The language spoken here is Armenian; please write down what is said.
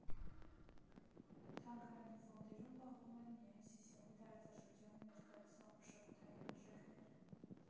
Թանգարանի ֆոնդերում պահվում են միայն Սիսիանի տարածաշրջանը ներկայացնող մշակութային արժեքներ։